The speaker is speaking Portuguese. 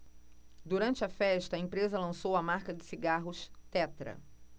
durante a festa a empresa lançou a marca de cigarros tetra